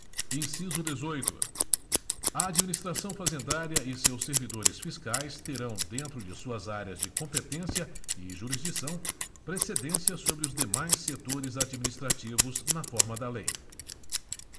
inciso dezoito a administração fazendária e seus servidores fiscais terão dentro de suas áreas de competência e jurisdição precedência sobre os demais setores administrativos na forma da lei